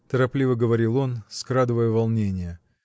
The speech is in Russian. — торопливо говорил он, скрадывая волнение.